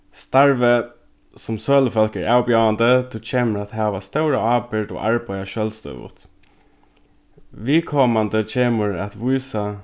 starvið sum sølufólk er avbjóðandi tú kemur at hava stóra ábyrgd og arbeiða sjálvstøðugt viðkomandi kemur at vísa